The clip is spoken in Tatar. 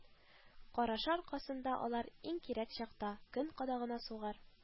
Карашы аркасында алар иң кирәк чакта, көн кадагына сугар